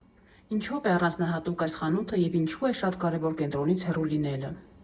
Ինչով է առանձնահատուկ այս խանութը և ինչու է շատ կարևոր կենտրոնից հեռու լինելը։